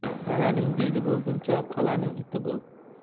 dalaning begi bo'lguncha qal'aning iti bo'l